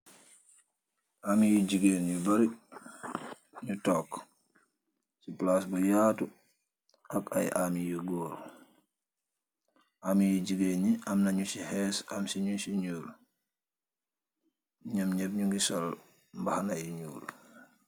Army yu jegain yu bary yu tonke se plass bu yatu ak aye Army yu goor, Army yu jegain ye amna nuse hess amna nuse njol, num nyep nugi sol mahana yu njol.